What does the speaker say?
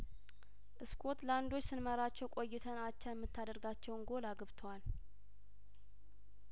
እስኮትላንዶች ስንመራቸው ቆይተን አቻ የምታደርጋቸውን ጐል አግብተዋል